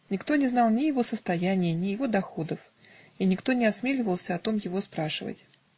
Никто не знал ни его состояния, ни его доходов, и никто не осмеливался о том его спрашивать.